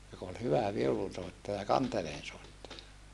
joka oli hyvä viulunsoittaja kanteleensoittaja